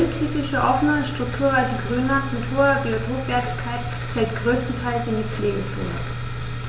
Das rhöntypische offene, strukturreiche Grünland mit hoher Biotopwertigkeit fällt größtenteils in die Pflegezone.